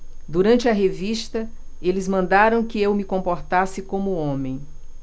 durante a revista eles mandaram que eu me comportasse como homem